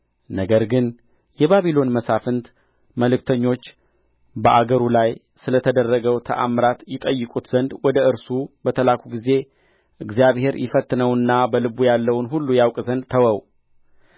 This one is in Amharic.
ነገር ግን የባቢሎን መሳፍንት መልእክተኞች በአገሩ ላይ ስለ ተደረገው ተአምራት ይጠይቁት ዘንድ ወደ እርሱ በተላኩ ጊዜ እግዚአብሔር ይፈትነውና በልቡ ያለውን ሁሉ ያውቅ ዘንድ ተወው